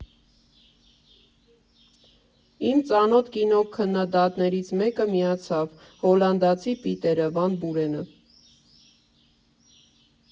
Իմ ծանոթ կինոքննադատներից մեկը միացավ՝ հոլանդացի Պիտերը վան Բուրենը։